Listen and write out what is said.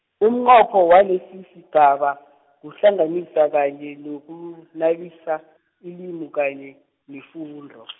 umnqopho walesisigaba, kuhlanganisa kanye noku nabisa, ilimi kanye, nefundo .